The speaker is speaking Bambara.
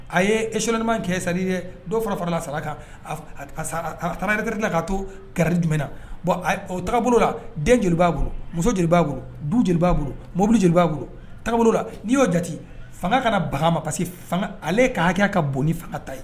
A ye e soman cɛ sa ye dɔw fara farala sara kan taara yɛrɛɛrɛ la k ka to gari jumɛnɛna bɔn ola den joli b'a bolo muso jeliba b'a bolo du b'a bolo mobili joli b'a bolola n'i y'o jate fanga ka bagan ma parce que ale ka hakɛ ka bon ni fanga ta ye